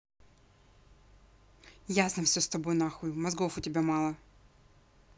ясно все с тобой нахуй мозгов у тебя мало